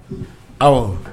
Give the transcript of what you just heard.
Awɔɔ